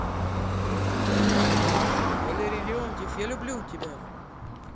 валерий леонтьев я люблю тебя